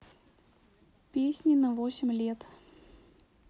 песни на восемь лет